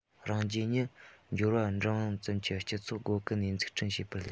རང རྒྱལ ཉིད འབྱོར པ འབྲིང ཙམ གྱི སྤྱི ཚོགས སྒོ ཀུན ནས འཛུགས སྐྲུན བྱེད པར སླེབས པ